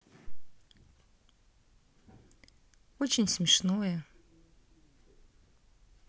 очень смешное